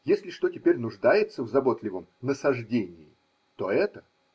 Если что теперь нуждается в заботливом насаждении, то это.